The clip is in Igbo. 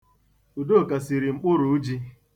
Udoka siri mkpụrụ ji.